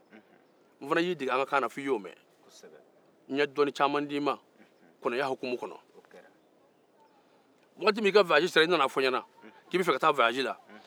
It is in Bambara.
n fana y'i dege an ka kan na fo i y'o mɛn n ye dɔnni caman d'i ma kɔnɔya hukummu kɔnɔ waati min na i ka taama sera i nana fɔ n ɲɛna k'i bɛ taa taama na